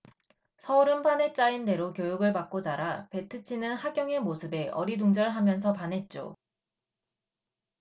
서율은 판에 짜인 대로 교육을 받고 자라 배트 치는 하경의 모습에 어리둥절 하면서 반했죠